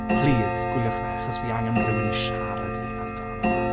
Plis gwyliwch fe achos fi angen rhywun i siarad i amdano fe.